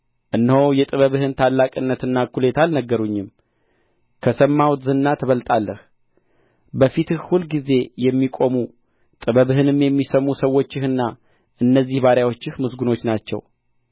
እነሆ የጥበብህን ታላቅነት እኵሌታ አልነገሩኝም ከሰማሁት ዝና ትበልጣለህ በፊትህ ሁልጊዜ የሚቆሙ ጥበብህንም የሚሰሙ ሰዎችህና እነዚህ ባሪያዎችህ ምስጉኖች ናቸው